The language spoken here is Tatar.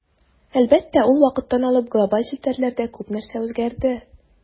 Әлбәттә, ул вакыттан алып глобаль челтәрдә күп нәрсә үзгәрде.